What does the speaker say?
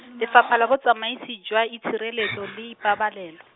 Lefapha la Botsamaisi jwa Itshireletso le Ipabalelo.